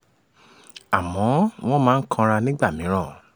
Àmọ́ wọ́n máa ń kanra nígbà mìíràn.